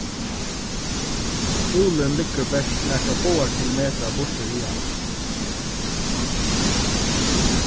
skúlin liggur bert nakrar fáar kilometrar burtur hiðani